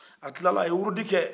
a tilala a ye wurudi kɛ